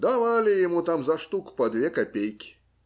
давали ему там за штуку по две копейки.